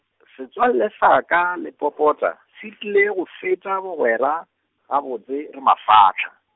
setswalle sa ka le Popota, se tlile go feta bogwera, gabotse re mafahla.